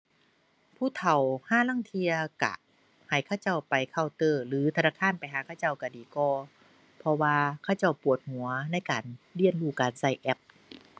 ผู้เฒ่าห่าลางเที่ย ก็ให้เขาเจ้าไปเคาน์เตอร์ หรือธนาคารไปหาเขาเจ้าก็ดีกว่า เพราะว่าเขาเจ้าปวดหัวในการเรียนรู้การก็แอป